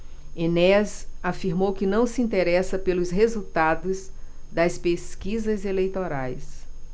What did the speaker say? enéas afirmou que não se interessa pelos resultados das pesquisas eleitorais